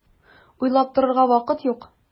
Уйлап торырга вакыт юк!